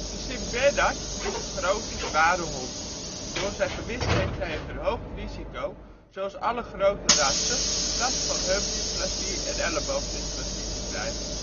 De sint-bernard is een grote, zware hond. Door zijn gewicht heeft hij een verhoogd risico, zoals alle grote rassen, last van heupdysplasie en elleboogdysplasie te krijgen